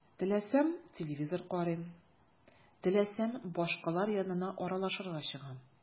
Теләсәм – телевизор карыйм, теләсәм – башкалар янына аралашырга чыгам.